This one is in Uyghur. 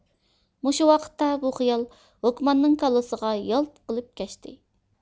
مۇشۇ ۋاقىتتا بۇ خىيال ھوكماننىڭ كاللىسىغا يالت قىلىپ كەچتى